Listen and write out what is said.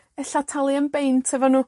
Ella talu am beint efo nw.